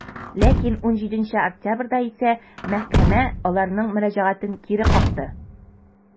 Ләкин 17 октябрьдә исә мәхкәмә аларның мөрәҗәгатен кире какты.